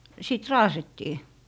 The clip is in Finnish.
sitä raasittiin